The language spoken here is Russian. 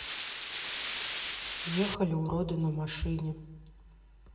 ехали уроды на машине